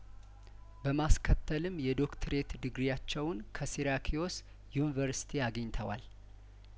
በማስከተልም የዶክትሬት ዲግሪያቸውን ከሲራኪዮስ ዩኒቨርሲቲ አግኝተዋል